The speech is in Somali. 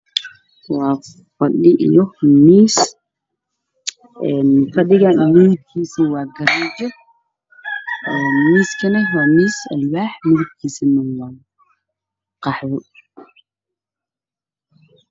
Waa fadhi iyo miis. Fadhiga midabkiisu waa gariije, miiskana waa alwaax midabkiisu waa qaxwi.